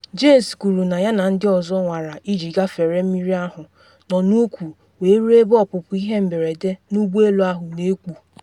Jaynes kwuru na ya na ndị ọzọ nwara iji gafere mmiri ahụ nọ n’ukwu wee ruo ebe ọpụpụ ihe mberede n’ụgbọ elu ahụ na ekpu.